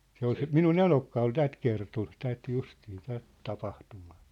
se oli se minun eno oli tämän kertonut tätä justiin tätä tapahtumaa